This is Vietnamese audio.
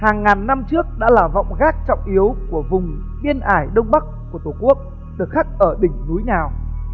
hàng ngàn năm trước đã là vọng gác trọng yếu của vùng biên ải đông bắc của tổ quốc được khắc ở đỉnh núi nào